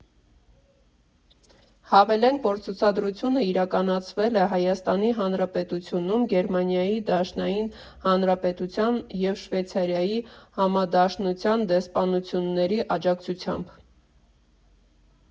Հավելենք, որ ցուցադրությունը իրականացվել է Հայաստանի Հանրապետությունում Գերմանիայի Դաշնային Հանրապետության և Շվեյցարիայի Համադաշնության դեսպանությունների աջակցությամբ։